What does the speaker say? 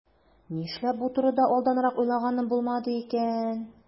Нишләп бу турыда алданрак уйлаганым булмады икән?